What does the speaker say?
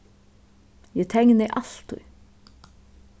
eg tekni altíð